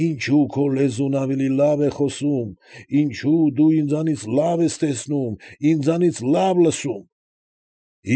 Ինչո՞ւ քո լեզուն ավելի լավ է խոսում, ինչո՞ւ դու ինձանից լավ ես տեսնում, ինձանից լավ լսում։